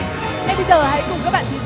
ngay bây giờ hãy cùng các bạn thí